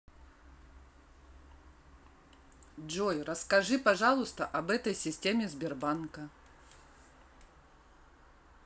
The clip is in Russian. джой расскажи пожалуйста об этой системе сбербанка